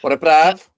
Bore braf?